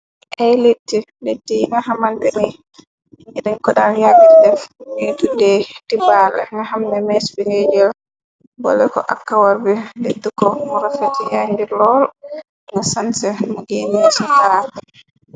Ay leetë yi nga xamante ni nit ñi dañ ko daan yàggë def yuy tuddee tibaale, nga xam ne mees bi ngay jël bole ko ak kawar bi lëëtu ko mu rafeti yaañgi ool nga sanse, mu geene se taaral.